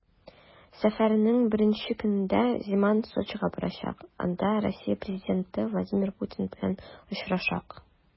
Сәфәренең беренче көнендә Земан Сочига барачак, анда Россия президенты Владимир Путин белән очрашачак.